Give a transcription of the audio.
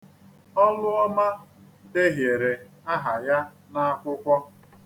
Ọlụọma dehiere aha ya n'akwụkwọ ahụ.